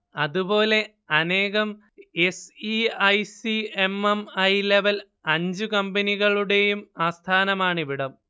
അതുപോലെ അനേകം S E I C M M I level അഞ്ച് കമ്പനികളുടെയും ആസ്ഥാനമാണിവിടം